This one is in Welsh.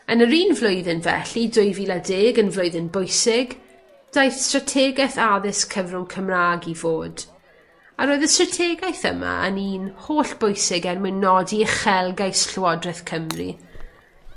Yn yr un flwyddyn felly, dwy fil a deg yn flwyddyn bwysig daeth strategeth addysg cyfrwng Cymra'g i fod a roedd y strategaeth yma yn un hollbwysig er mwyn nodi uchelgais Llywodreth Cymru